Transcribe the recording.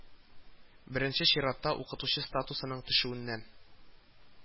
Беренче чиратта, укытучы статусының төшүеннән